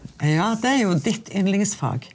ja det er jo ditt yndlingsfag.